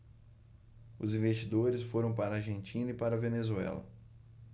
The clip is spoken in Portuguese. os investidores foram para a argentina e para a venezuela